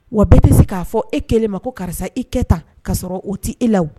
Wa bɛɛ tɛ se k'a fɔ e kɛlen ma ko karisa i kɛ ta kasɔrɔ o t tɛ e la